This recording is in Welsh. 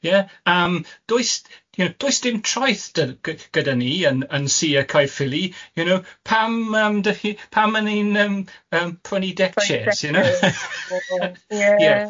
Ie? Yym does you know does dim traeth dy- gyda ni yn yn Sir Caerffili you know pam yym dach chi, pam on yym yym prynu deck chairs you know? Prynu deck chairs ie.